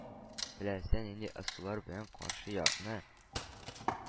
Теләсә нинди ысуллар белән каршы якны